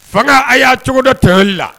Fanga a y'a cogo dɔ tɛli la